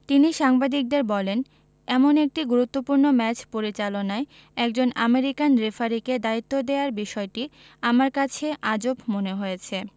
তিনি সাংবাদিকদের বলেন এমন একটি গুরুত্বপূর্ণ ম্যাচ পরিচালনায় একজন আমেরিকান রেফারিকে দায়িত্ব দেয়ার বিষয়টি আমার কাছে আজব মনে হয়েছে